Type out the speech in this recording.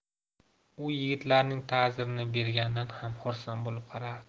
u yigitlarning ta'zirini berganidan ham xursand bo'lib qarardi